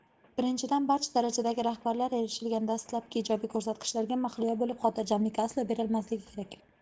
birinchidan barcha darajadagi rahbarlar erishilgan dastlabki ijobiy ko'rsatkichlarga mahliyo bo'lib xotirjamlikka aslo berilmasligi kerak